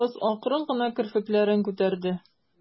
Кыз акрын гына керфекләрен күтәрде.